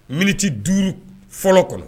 Moti duuru fɔlɔ kɔnɔ